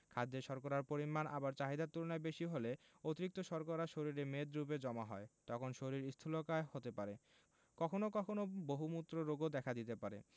খাদ্যে শর্করার পরিমাণ আবার চাহিদার তুলনায় বেশি হলে অতিরিক্ত শর্করা শরীরে মেদরুপে জমা হয় তখন শরীর স্থুলকায় হতে পারে কখনো কখনো বহুমূত্র রোগও দেখা দিতে পারে